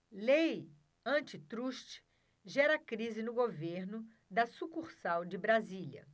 lei antitruste gera crise no governo da sucursal de brasília